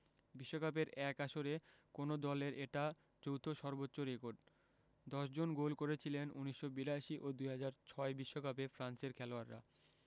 বিশ্বকাপের এক আসরে কোনো দলের এটা যৌথ সর্বোচ্চ রেকর্ড ১০ জন গোল করেছিলেন ১৯৮২ ও ২০০৬ বিশ্বকাপে ফ্রান্সের খেলোয়াড়রা